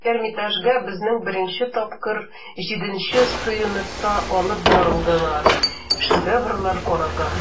Эрмитажга безне беренче тапкыр җиденче сыйныфта алып бардылар, шедеврлар карарга.